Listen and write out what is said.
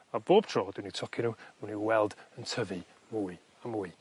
a bob tro dwi'n eu tocio n'w ma' n'w i'w weld yn tyfu mwy a mwy.